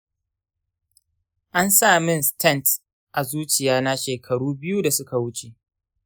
an sa min stent a zuciyana shekaru biyu da suka wuce.